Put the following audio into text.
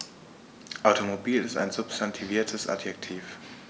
Automobil ist ein substantiviertes Adjektiv.